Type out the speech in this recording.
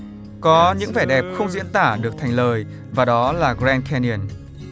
có những vẻ đẹp không diễn tả được thành lời và đó là gờ ren ken ni ần